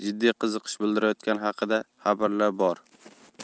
jiddiy qiziqish bildirayotgani haqida xabarlar bor